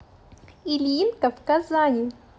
ильинка в казани